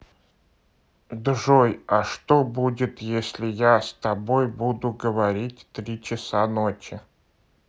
джой а что будет если я с тобой буду говорить три часа ночи